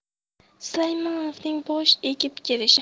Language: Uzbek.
sulaymonovning bosh egib kelishi